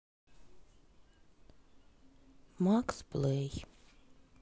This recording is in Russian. макс плей